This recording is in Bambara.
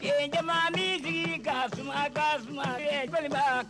Miniyan min'i jigin ka tasuma ka suma bɛ jelibaba